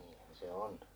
niinhän se on